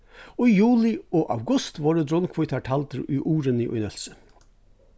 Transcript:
í juli og august vórðu drunnhvítar taldir í urðini í nólsoy